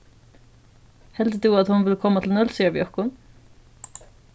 heldur tú at hon vil koma til nólsoyar við okkum